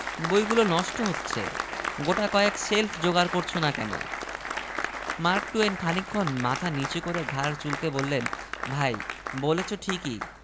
বইগুলো নষ্ট হচ্ছে গোটাকয়েক শেল্ফ যোগাড় করছ না কেন মার্ক টুয়েন খানিকক্ষণ মাথা নিচু করে ঘাড় চুলকে বললেন ভাই বলেছ ঠিকই